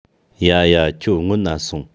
ཡ ཡ ཁྱོད སྔན ན སོང